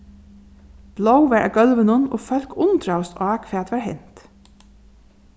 blóð var á gólvinum og fólk undraðust á hvat var hent